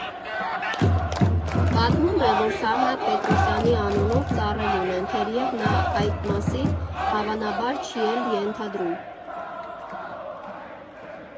Պատմում է, որ Սարհատ Պետրոսյանի անունով ծառ էլ ունեն, թեև նա այդ մասին, հավանաբար, չի էլ ենթադրում։